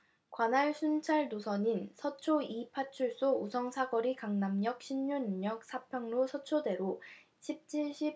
관할 순찰 노선인 서초 이 파출소 우성사거리 강남역 신논현역 사평로 서초대로 칠십 삼 길 서초로 서운로 서초 이 파출소